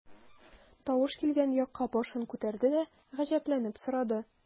Тавыш килгән якка башын күтәрде дә, гаҗәпләнеп сорады.